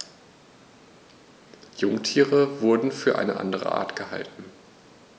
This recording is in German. Jungtiere wurden für eine andere Art gehalten.